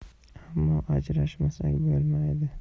ammo ajrashmasak bo'lmaydi